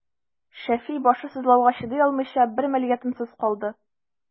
Шәфи, башы сызлауга чыдый алмыйча, бер мәлгә тынсыз калды.